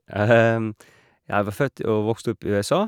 Jeg var født og vokst opp i USA.